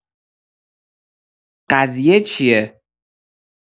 قضیه چیه